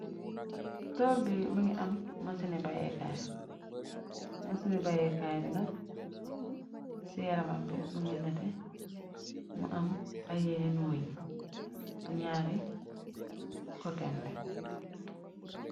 rol bi më nga am msnb më seni bayyekaay bi na ci yaramam bi më ngi nete mu am ay yeneenu wëñ ci ñaari kotembe